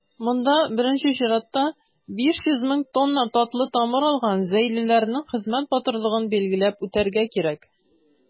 Монда, беренче чиратта, 500 мең тонна татлы тамыр алган зәйлеләрнең хезмәт батырлыгын билгеләп үтәргә кирәк.